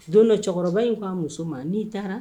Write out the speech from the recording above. Don dɔ cɛkɔrɔba in ko a muso ma n'i taara